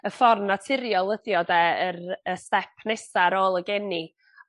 y ffor naturiol ydi o 'de yr y step nesa ar ôl y geni.